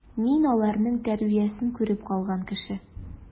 Мин аларның тәрбиясен күреп калган кеше.